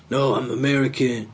No, I'm American.